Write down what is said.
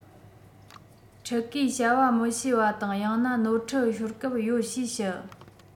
ཕྲུ གུས བྱ བ མི ཤེས པ དང ཡང ན ནོར འཁྲུལ ཤོར སྐབས ཡོད ཞེས བཤད